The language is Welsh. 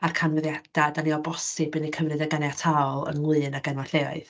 A'r canfyddiadau dan ni o bosib yn eu cymyd yn ganiataol ynglyn ag enwau lleoedd.